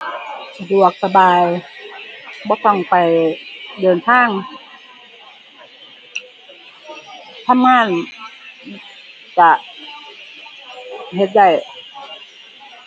สะดวกสบาย บ่ต้องไปเดินทาง ทำงานก็เฮ็ดได้